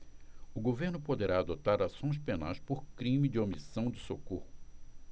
o governo poderá adotar ações penais por crime de omissão de socorro